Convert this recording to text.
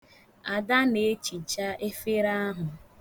Ada na-echicha efere ahụ.